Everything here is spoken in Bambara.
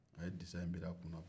a ye disa in bir'a kunna